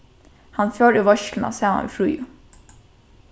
hann fór í veitsluna saman við fríðu